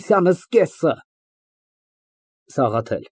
Դու այնտեղ կտեսնեն տեղական ինտելիգենցիայի ընտիր մասը։